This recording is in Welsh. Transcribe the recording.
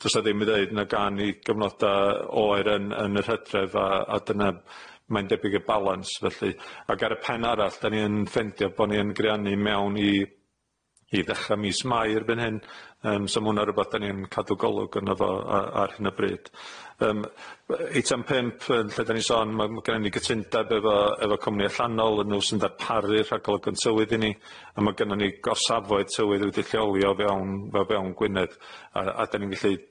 do's 'na ddim i ddeud na ga'n ni gyfnoda oer yn yn yr Hydref a a dyna mae'n debyg y balans felly ag ar y pen arall 'dan ni yn ffeindio bo' ni yn greanu mewn i i ddechra mis Mai erbyn hyn yym so ma' 'wnna'n rwbath 'dan ni yn cadw golwg arno fo a- ar hyn o bryd yym w- yy eitem pump yy lle 'dan ni'n sôn ma' ma' gynnon ni gytundeb efo efo cwmni allanol yy n'w sy'n darparu rhagolygon tywydd i ni a ma' gynnon ni gorsafoedd tywydd wedi' lleoli o fewn fewn Gwynedd a a 'dan ni'n gellu